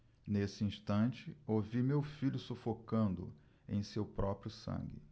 nesse instante ouvi meu filho sufocando em seu próprio sangue